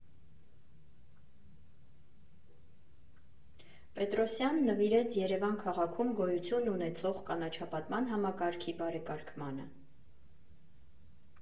Պետրոսյան) նվիրեց Երևան քաղաքում գոյություն ունեցող կանաչապատման համակարգի բարեկարգմանը։